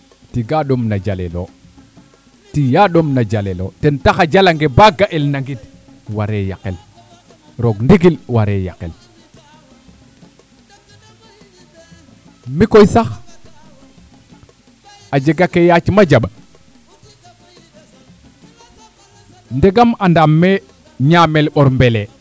tiga ɗom na jalelo tiya ɗom na jalel lo ten tax a jala nge ba ga el na ngid ware yaqel roog ndingil ware yaqel mikoy sax a jega ke yaac ma jaɓ ndangam andam me ñamel ɓor mbele